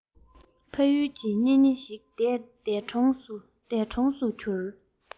ཕ ཡུལ གྱི གཉེན ཉེ ཞིག འདས གྲོངས སུ གྱུར